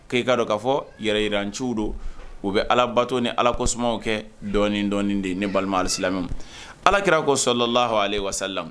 K'i'a dɔn k'a fɔ yɛrɛyiranci don u bɛ ala bato ni ala ko tasuma kɛ dɔnɔni dɔ de ye ni balima alisilamɛ alakira ko sodalah ale wasala